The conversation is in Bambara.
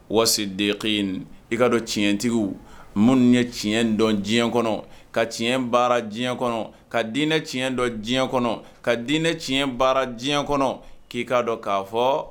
Waati de ye i k kaa dɔn tiɲɛtigi minnu ye tiɲɛ dɔn diɲɛ kɔnɔ ka tiɲɛ baara diɲɛ kɔnɔ ka dinɛ tiɲɛ dɔn diɲɛ kɔnɔ ka diinɛ tiɲɛ baara diɲɛ kɔnɔ k'i k'a dɔn k'a fɔ